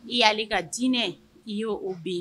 Yali ka diinɛ i y'o o bɛ yen